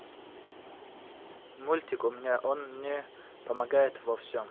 мультик у меня он мне помогает во всем